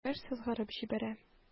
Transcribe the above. Әкбәр сызгырып җибәрә.